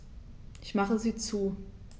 Ich mache sie zu.